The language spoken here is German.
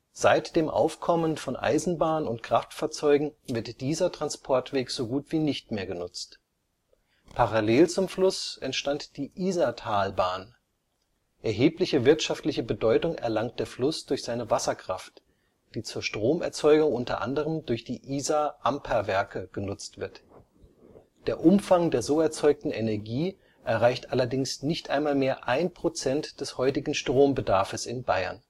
Seit dem Aufkommen von Eisenbahn und Kraftfahrzeugen wird dieser Transportweg so gut wie nicht mehr genutzt. Parallel zum Fluss entstand die Isartalbahn. Erhebliche wirtschaftliche Bedeutung erlangt der Fluss durch seine Wasserkraft, die zur Stromerzeugung unter anderem durch die Isar-Amper-Werke genutzt wird. Der Umfang der so erzeugten Energie erreicht allerdings nicht einmal mehr ein Prozent des heutigen Strombedarfes in Bayern